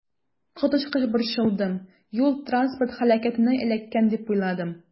Коточкыч борчылдым, юл-транспорт һәлакәтенә эләккән дип уйладым.